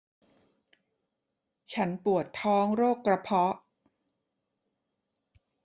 ฉันปวดท้องโรคกระเพาะ